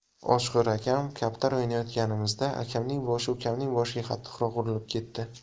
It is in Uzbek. oshxo'rakam kaptar o'ynayotganimizda akamning boshi ukamning boshiga qattiqroq urilib ketdi